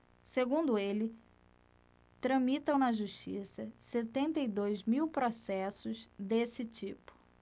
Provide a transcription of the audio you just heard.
segundo ele tramitam na justiça setenta e dois mil processos desse tipo